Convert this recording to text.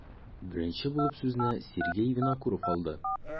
Беренче булып сүзне Сергей Винокуров алды.